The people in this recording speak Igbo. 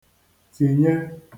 tìnye